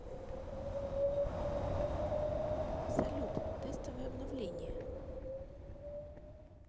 салют тестовое обновление